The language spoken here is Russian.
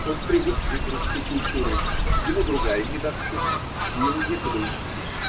Он привык жить русской культурой, ему другая недоступна, и ему некуда уйти.